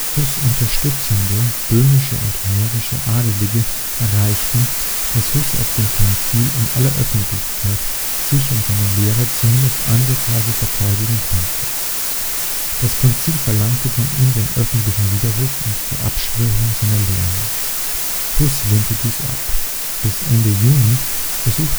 Hus unterstützende böhmische und mährische Adlige erreichten, dass er auf dem Konzil in aller Öffentlichkeit sich und seine Lehren zumindest ansatzweise verteidigen konnte. Das Konzil verlangte von ihm den öffentlichen Widerruf und die Abschwörung seiner Lehren. Hus lehnte dies ab und blieb auch bis Ende Juni standhaft